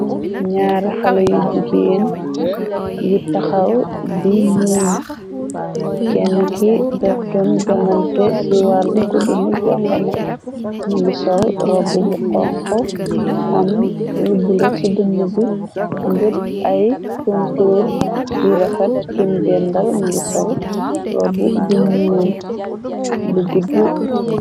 Nyaari xale yu bigeen yu taxaw di muun. Kenn ki def gen janante ci wàlle ku gëna jongama mungi sol robb bu xonxo am lubbula ci dën bi.Ngëpp ay kontoor yu rafet kim dendal mungi sol robb bu ñuul bu guddu.